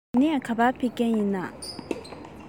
དེ ནས ག པར ཕེབས མཁན ཡིན པ